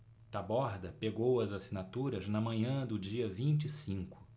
taborda pegou as assinaturas na manhã do dia vinte e cinco